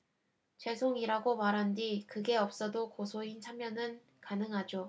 죄송 이라고 말한 뒤 그게 없어도 고소인 참여는 가능하죠